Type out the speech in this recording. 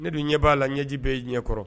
Ne dun ɲɛ b'a la ɲɛji bɛ ye ɲɛ kɔrɔ